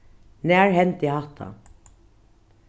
nær hendi hatta